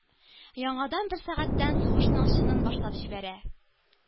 Яңадан бер сәгатьтән сугышның чынын башлап җибәрә.